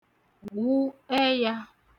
wụ ẹyā